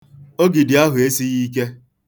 Ogidi ahụ esighị ike.